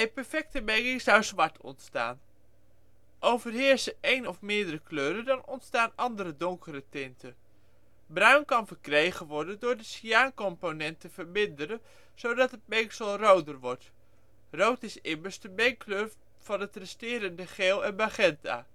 perfecte menging zou zwart ontstaan. Overheersen één of meer kleuren dan ontstaan andere donkere tinten. Bruin kan verkregen worden door de cyaancomponent te verminderen zodat het mengsel roder wordt — rood is immers de mengkleur van het resterende geel en magenta